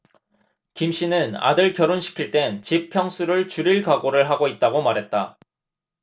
김씨는 아들 결혼시킬 땐 집 평수를 줄일 각오를 하고 있다고 말했다